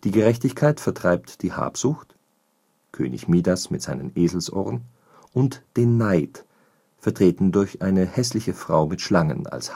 Gerechtigkeit vertreibt die Habsucht, König Midas mit seinen Eselohren, und den Neid, vertreten durch eine hässliche Frau mit Schlangen als